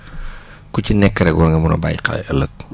ku ci nekk rek war nga mun a bàyyi xel ëllëg